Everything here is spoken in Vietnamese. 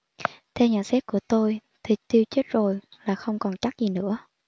theo nhận xét của tôi thì tiêu chết rồi là không còn chất gì nữa